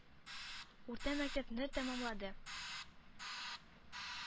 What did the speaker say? Урта мәктәпне тәмамлады,